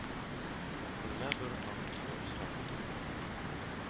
Бермә-бер артуы очраклы түгел